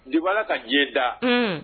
Depuis Ala ka diɲɛ da unn